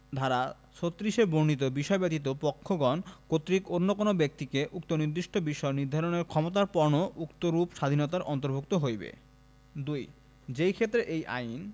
ধারা ৩৬ এ বর্ণিত বিষয় ব্যতীত পক্ষগণ কর্তৃক অন্য কোন ব্যক্তিকে উক্ত নির্দিষ্ট বিষয় নিধারণের ক্ষমতার্পণও উক্তরূপ স্বাধীনতার অন্তর্ভুক্ত হইবে ২ যেইক্ষেত্রে এই আইন